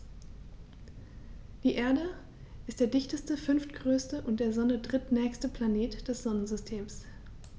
Die Erde ist der dichteste, fünftgrößte und der Sonne drittnächste Planet des Sonnensystems.